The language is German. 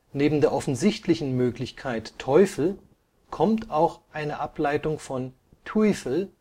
Neben der offensichtlichen Möglichkeit Teufel kommt auch eine Ableitung von „ Tuifel